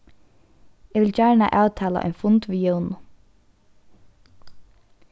eg vil gjarna avtala ein fund við jónu